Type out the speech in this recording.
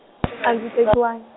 andzi tekiwang-.